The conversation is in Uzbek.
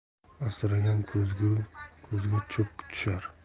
asragan ko'zga cho'p tushar